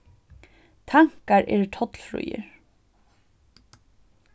tankar eru tollfríir